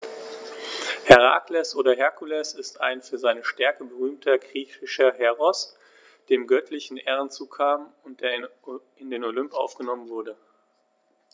Herakles oder Herkules ist ein für seine Stärke berühmter griechischer Heros, dem göttliche Ehren zukamen und der in den Olymp aufgenommen wurde.